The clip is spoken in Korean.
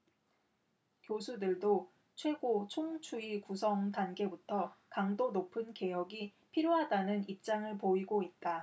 교수들도 최소 총추위 구성 단계부터 강도 높은 개혁이 필요하다는 입장을 보이고 있다